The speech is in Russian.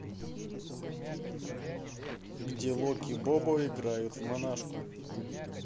где локи бобо играют в монашку